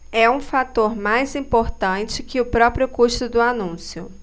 é um fator mais importante que o próprio custo do anúncio